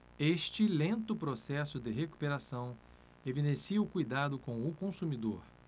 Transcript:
este lento processo de recuperação evidencia o cuidado com o consumidor